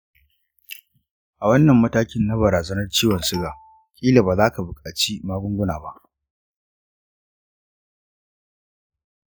a wannan matakin na barazanar ciwon suga ƙila ba za ka buƙaci magunguna ba.